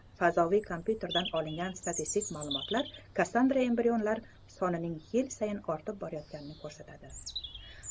fazoviy komp'yuterdan olingan statistik ma'lumotlar kassandra embrionlar sonining yil sayin ortib borayotganini ko'rsatadi